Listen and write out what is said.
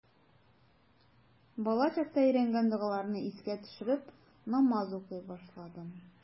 Балачакта өйрәнгән догаларны искә төшереп, намаз укый башладым.